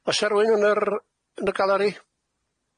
O's e rywun yn yr- yn y galeri?